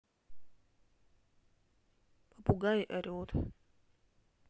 попугай орет